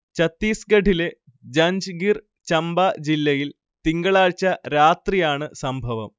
ചത്തീസ്ഗഢിലെ ജഞ്ച്ഗിർ ചമ്പ ജില്ലയിൽ തിങ്കളാഴ്ച്ച രാത്രിയാണ് സംഭവം